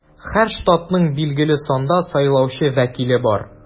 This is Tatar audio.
Һәр штатның билгеле санда сайлаучы вәкиле бар.